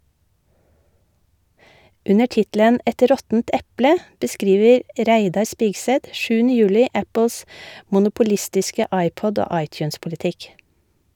Under tittelen "Et råttent eple " beskriver Reidar Spigseth 7. juli Apples monopolistiske iPod- og iTunes-politikk.